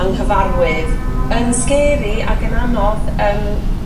anghyfarwydd yn sgeri ag yn anodd